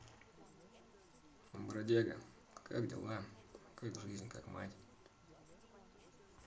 бродяга как дела как жизнь как мать